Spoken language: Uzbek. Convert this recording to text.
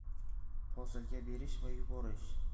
posilka berish va yuborish